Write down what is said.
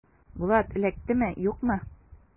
Булат эләктеме, юкмы?